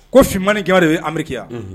Ko finman ni jɛman de bɛ Amérique yan.